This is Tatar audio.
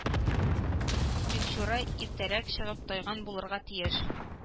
- бикчура иртәрәк чыгып тайган булырга тиеш